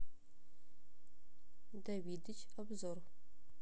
давидыч обзор